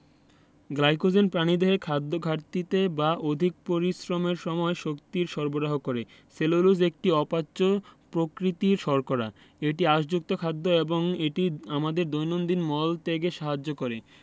glycogen প্রাণীদেহে খাদ্যঘাটতিতে বা অধিক পরিশ্রমের সময় শক্তি সরবরাহ করে সেলুলোজ একটি অপাচ্য প্রকৃতির শর্করা এটি আঁশযুক্ত খাদ্য এবং এটি আমাদের দৈনন্দিন মল ত্যাগে সাহায্য করে